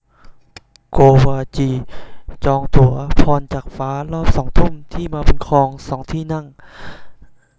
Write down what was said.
โกวาจีจองตั๋วพรจากฟ้ารอบสองทุ่มที่มาบุญครองสองที่นั่ง